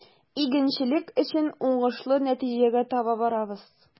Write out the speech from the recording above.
Игенчелек өчен уңышлы нәтиҗәгә таба барабыз.